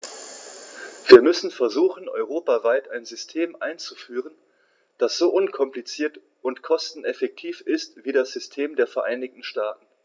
Wir müssen versuchen, europaweit ein System einzuführen, das so unkompliziert und kosteneffektiv ist wie das System der Vereinigten Staaten.